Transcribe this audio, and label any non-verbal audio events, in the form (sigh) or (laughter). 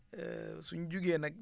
(hesitation) suñ jugee nag